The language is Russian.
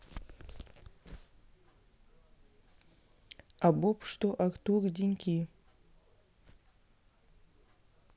а bob что артур деньки